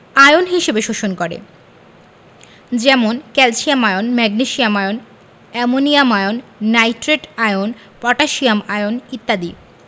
ion হিসেবে শোষণ করে যেমন calcium ion magnesium ion ammonium ion nitrate ion potassium ion ইত্যাদি